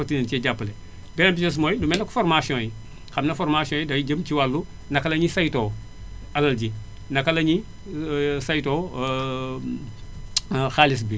bëgg leen cee jàppale beneen bi ci des mooy lu mel ni que formations yi xam nga formation yi day jëm ci wàllu naka la ñuy saytoo alal ji naka la ñuy saytoo xaalis bi